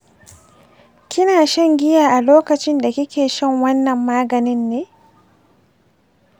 kina shan giya a lokacin da kike shan wannan maganin ne?